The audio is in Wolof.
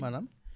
maanaam